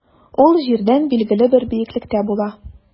Ул җирдән билгеле бер биеклектә була.